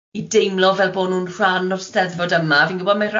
i deimlo fel bo' nhw'n rhan o'r Steddfod yma, fi'n gwbo mae